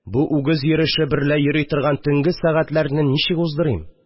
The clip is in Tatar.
Бу үгез йөреше берлә йөри торган төнге сәгатьләрне ничек уздырыйм